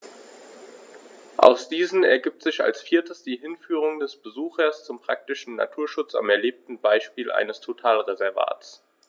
Aus diesen ergibt sich als viertes die Hinführung des Besuchers zum praktischen Naturschutz am erlebten Beispiel eines Totalreservats.